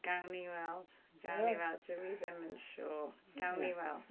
Gawn ni weld. Gawn ni weld. Dwi ddim yn siŵr. Gawn ni weld.